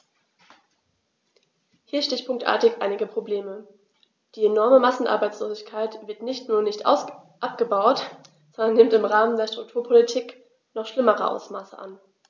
Hier stichpunktartig einige Probleme: Die enorme Massenarbeitslosigkeit wird nicht nur nicht abgebaut, sondern nimmt im Rahmen der Strukturpolitik noch schlimmere Ausmaße an.